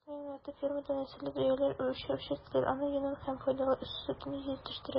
Тарихны яңартып фермада нәселле дөяләр үчретәләр, аның йонын һәм файдалы сөтен җитештерәләр.